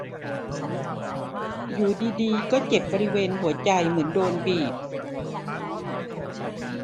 อยู่ดีดีก็เจ็บบริเวณหัวใจเหมือนโดนบีบ